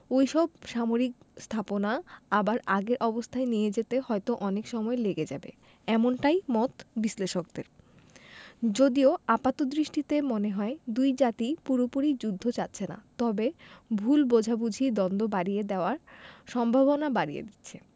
ওই সব সামরিক স্থাপনা আবার আগের অবস্থায় নিয়ে যেতে হয়তো অনেক সময় লেগে যাবে এমনটাই মত বিশ্লেষকদের যদিও আপাতদৃষ্টিতে মনে হয় দুই জাতিই পুরোপুরি যুদ্ধ চাচ্ছে না তবে ভুল বোঝাবুঝি দ্বন্দ্ব বাড়িয়ে দেওয়ার সম্ভাবনা বাড়িয়ে দিচ্ছে